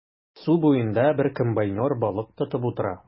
Су буенда бер комбайнер балык тотып утыра.